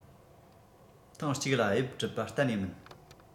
ཐེངས གཅིག ལ དབྱིབས གྲུབ པ གཏན ནས མིན